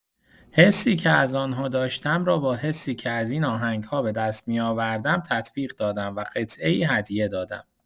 حسی که از آن‌ها داشتم را با حسی که از این آهنگ‌ها به دست می‌آوردم تطبیق دادم و قطعه‌ای هدیه دادم.